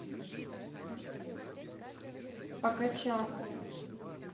покачану